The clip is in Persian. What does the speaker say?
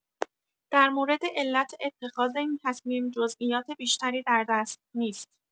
در مورد علت اتخاذ این تصمیم جزئیات بیشتری در دست نیست.